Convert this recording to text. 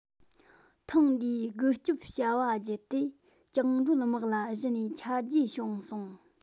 ཐེངས འདིའི རྒུད སྐྱོབ བྱ བ བརྒྱུད དེ བཅིངས འགྲོལ དམག ལ གཞི ནས ཆ རྒྱུས བྱུང སོང